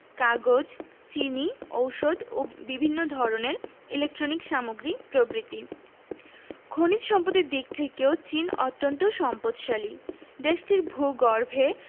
কাগজ চিনি ঔষধ ও বিভিন্ন ধরনের ইলেকট্রনিক্স সামগ্রী প্রভ্রিতি খনিজ সম্পদের দিক থেকেও চীন অত্যান্ত সম্পদশালী দেশটির ভূগর্ভে